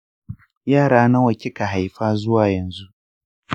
yara nawa kika haifa zuwa yanzu?